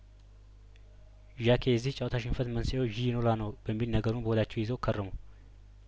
ዣኬ የዚህ ጨዋታ ሽንፈት መንስኤው ዢኖላ ነው በሚል ነገሩን በሆዳቸው ይዘው ከረሙ